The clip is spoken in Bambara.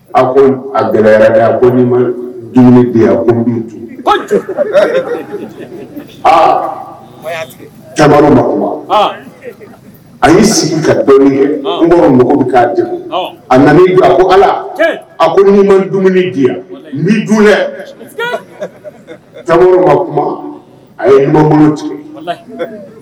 A ko a gɛlɛya biyan aa tama ma kuma a y'i sigi ka don ye n k'a jɛ a nan a kokala a dumuni di yan min tama ma kuma a ye ngolo ci